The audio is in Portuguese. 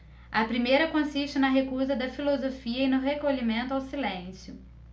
a primeira consiste na recusa da filosofia e no recolhimento ao silêncio